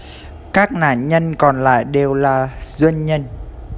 các nạn nhân còn lại đều là doanh nhân